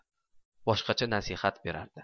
boshqacha nasihat berardi